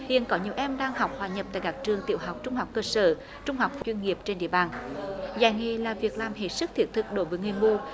hiện có nhiều em đang học hòa nhập tại các trường tiểu học trung học cơ sở trung học chuyên nghiệp trên địa bàn dạy nghề là việc làm hết sức thiết thực đối với người mù